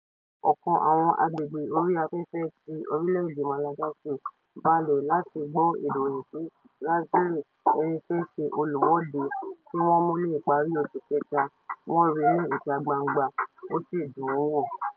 Ọ̀kan àwọn agbègbè orí afẹ́fẹ́ ti orílẹ̀ èdè Malagasy balẹ̀ láti gbọ́ ìròyìn pé Razily, ẹni tí í ṣe olùwọ́de tí wọ́n mú ní ìparí oṣù Kẹta, wọ́n ríi ní ìta gbangba (fr) ó sì dùn ún wò.